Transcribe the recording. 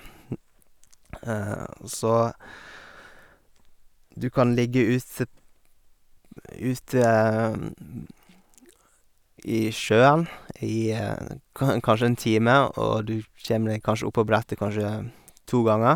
Så du kan ligge ute ute i sjøen i en kan kanskje en time, og du kjeme deg kanskje opp på brettet kanskje to ganger.